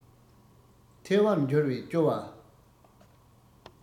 ཐལ བར འགྱུར བས སྐྱོ བ